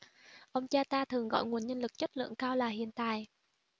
ông cha ta thường gọi nguồn nhân lực chất lượng cao là hiền tài